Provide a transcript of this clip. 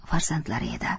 farzandlari edi